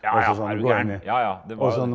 ja ja er du gæren ja ja det var jo.